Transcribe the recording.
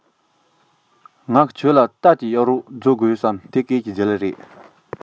ངས ཁྱེད རང ལ རྟ གཡར རོགས ཞུ དགོས ཞེས སྐད རྒྱབ པ རེད